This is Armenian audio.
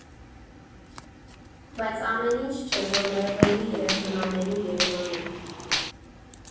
Բայց ամեն ինչ չէ, որ մերժելի է հնամենի Երևանում։